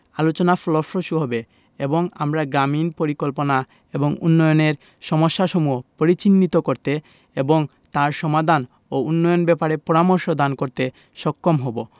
আলোচনা ফলপ্রসূ হবে এবং আমরা গ্রামীন পরিকল্পনা এবং উন্নয়নের সমস্যাসমূহ পরিচিহ্নিত করতে এবং তার সমাধান ও উন্নয়ন ব্যাপারে পরামর্শ দান করতে সক্ষম হবো